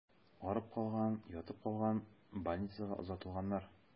Арып калган, ятып калган, больницага озатылганнар.